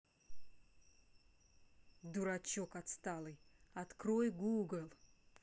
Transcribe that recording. дурачок отсталый открой google